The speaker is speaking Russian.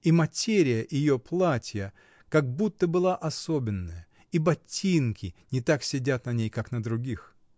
И материя ее платья как будто была особенная, и ботинки не так сидят на ней, как на других.